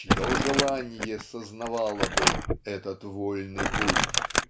Чье желанье сознавало бы Этот вольный путь.